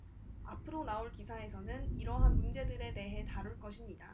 앞으로 나올 기사에서는 이러한 문제들에 대해 다룰 것입니다